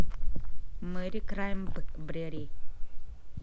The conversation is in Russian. мэри краймбрери